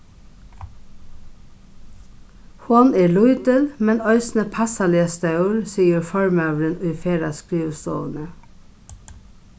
hon er lítil men eisini passaliga stór sigur formaðurin í ferðaskrivstovuni